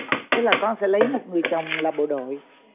tức là con sẽ lấy một người chồng là bộ đội